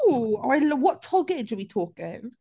Ww, oh I l- what toggage are we talking?